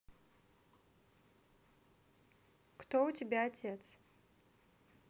кто у тебя отец